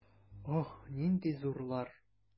Ох, нинди зурлар!